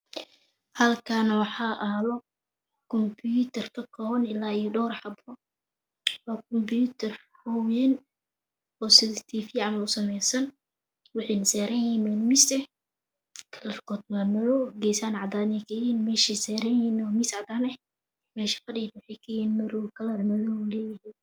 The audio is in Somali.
Halkaan waxaa aalo kumbuyuutar ka kooban ilaa iyo dhowr xabo. Waa kumbuyuutar wayn . oo sida TV camal u samaysan. waxayna saaran yihiin meel Miis ah .kalarkooda waa madow. geeesahane cadaan ka yihiin. meeshee saaran yihiin waa miis cadaan eh. Meesha fadhiga madow kalar madow.